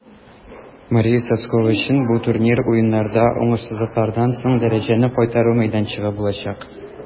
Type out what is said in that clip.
Мария Сотскова өчен бу турнир Уеннарда уңышсызлыклардан соң дәрәҗәне кайтару мәйданчыгы булачак.